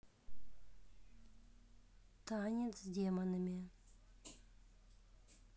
танец с демонами